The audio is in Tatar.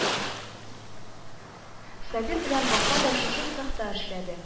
Сабир белән Вафа да шушы цехта эшләде